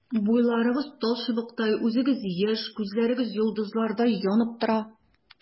Буйларыгыз талчыбыктай, үзегез яшь, күзләрегез йолдызлардай янып тора.